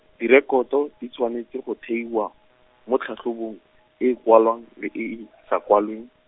direkoto, di tshwanetse go theiwa, mo tlhatlhobong, e e kwalwang, le e e, sa kwalweng.